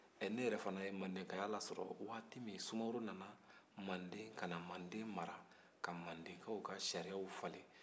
ne yɛrɛ fana ye mandekaya lasɔrɔ waati min sumaworo nana mande mara ka mandekaw ka sairaw falen